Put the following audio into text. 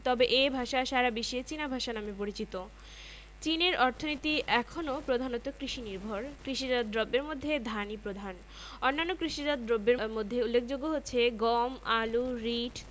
তবে এ ভাষা সারা বিশ্বে চীনা ভাষা নামে পরিচিত চীনের অর্থনীতি এখনো প্রধানত কৃষিনির্ভর কৃষিজাত দ্রব্যের মধ্যে ধানই প্রধান অন্যান্য কৃষিজাত দ্রব্যের মধ্যে উল্লেখযোগ্য হচ্ছে গম আলু রীট